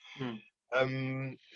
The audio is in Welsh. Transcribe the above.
Hmm. ...yym